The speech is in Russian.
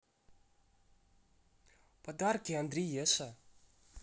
подарки андриеша